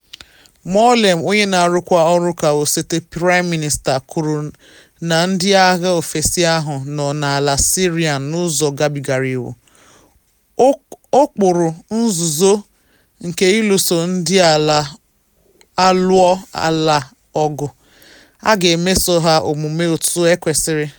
Moualem, onye na arụkwa ọrụ ka osote praịm minista, kwuru na ndị agha ofesi ahụ nọ n’ala Syrian n’ụzọ gabigara iwu, n’okpuru nzuzo nke iluso ndị alụọ alaa ọgụ, na “a ga-emeso ha omume otu ekwesịrị.”